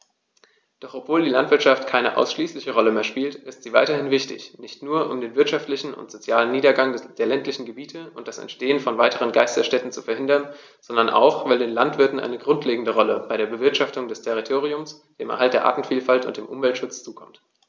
Doch obwohl die Landwirtschaft keine ausschließliche Rolle mehr spielt, ist sie weiterhin wichtig, nicht nur, um den wirtschaftlichen und sozialen Niedergang der ländlichen Gebiete und das Entstehen von weiteren Geisterstädten zu verhindern, sondern auch, weil den Landwirten eine grundlegende Rolle bei der Bewirtschaftung des Territoriums, dem Erhalt der Artenvielfalt und dem Umweltschutz zukommt.